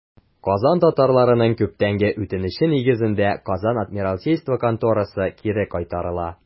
Казан татарларының күптәнге үтенече нигезендә, Казан адмиралтейство конторасы кире кайтарыла.